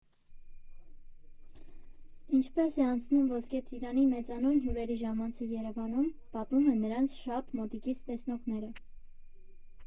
Ինչպես է անցնում Ոսկե ծիրանի մեծանուն հյուրերի ժամանցը Երևանում, պատմում են նրանց շատ մոտիկից տեսնողները։